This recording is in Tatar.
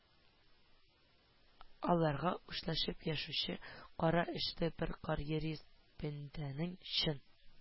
Аларга үчләшеп яшәүче, кара эчле бер карьерист бәндәнең чын